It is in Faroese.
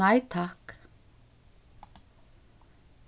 nei takk